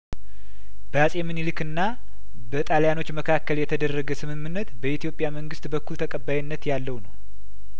በአጼ ሚንሊክ እና በጣሊያኖች መካከል የተደረገ ስምምነት በኢትዮጵያ መንግስት በኩል ተቀባይነት ያለው ነው